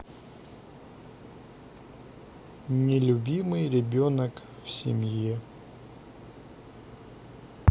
нелюбимый ребенок в семье